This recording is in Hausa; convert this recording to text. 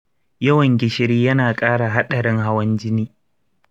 yawan gishiri yana kara hadarin hawan jini.